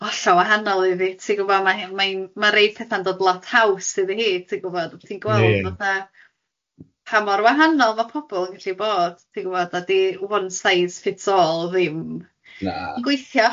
hollol wahanol iddi ti'n gwbod, mae mae'n ma' rei petha'n dod lot haws iddi hi ti'n gwbod... Ie. ...ti'n gweld fatha pa mor wahanol ma' pobol yn gallu bod ti'n gwbod a di one size fits all ddim... Na. ...yn gwithio.